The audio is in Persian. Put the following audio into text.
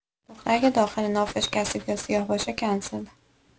دختری که داخل نافش کثیف یا سیاه باشه کنسله